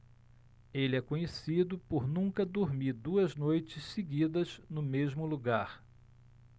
ele é conhecido por nunca dormir duas noites seguidas no mesmo lugar